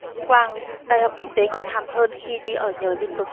quang đại học kinh tế còn thảm hơn khi đi ở nhờ liên tục